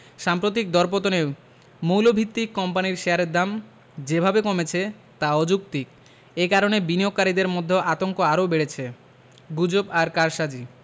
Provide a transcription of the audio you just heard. সাম্প্রতিক দরপতনে মৌলভিত্তির কোম্পানির শেয়ারের দাম যেভাবে কমেছে তা অযৌক্তিক এ কারণে বিনিয়োগকারীদের মধ্য আতঙ্ক আরও বেড়েছে গুজব আর কারসাজি